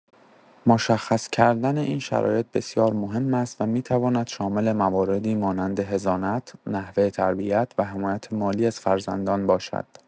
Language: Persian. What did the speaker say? مشخص کردن این شرایط بسیار مهم است و می‌تواند شامل مواردی مانند حضانت، نحوه تربیت و حمایت مالی از فرزندان باشد.